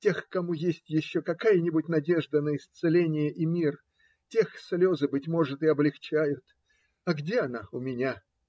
Тех, кому есть еще какая-нибудь надежда на исцеление и мир, тех слезы, быть может, и облегчают. А где она у меня?